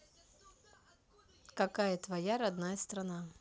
какая твоя родная страна